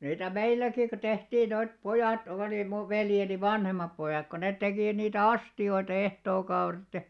niitä meilläkin kun tehtiin noita pojat oli minun veljeni vanhemmat pojat kun ne teki niitä astioita ehtookaudet ja